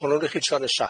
Welwn ni chi tro nesa.